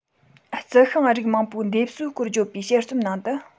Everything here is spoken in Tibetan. རྩི ཤིང རིགས མང པོའི འདེབས གསོའི སྐོར བརྗོད པའི དཔྱད རྩོམ ནང དུ